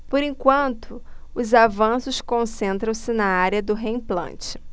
por enquanto os avanços concentram-se na área do reimplante